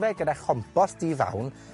fe gyda chompost di-fawn.